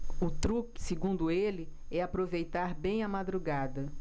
o truque segundo ele é aproveitar bem a madrugada